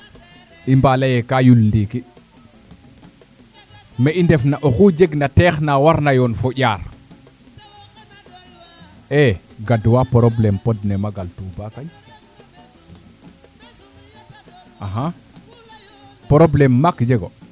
i mba leye ka yul ndiiki me i ndef na oxu jeg na teex na warna yoon fo ƴaar e gadwa probleme pod ne Magal Touba kay axa probleme maak jego